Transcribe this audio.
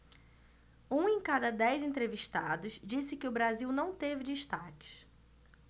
um em cada dez entrevistados disse que o brasil não teve destaques